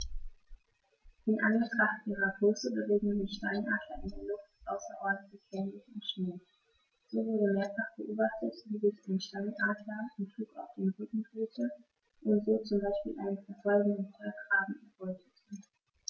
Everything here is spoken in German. In Anbetracht ihrer Größe bewegen sich Steinadler in der Luft außerordentlich wendig und schnell, so wurde mehrfach beobachtet, wie sich ein Steinadler im Flug auf den Rücken drehte und so zum Beispiel einen verfolgenden Kolkraben erbeutete.